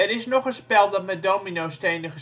is nog een spel dat met dominostenen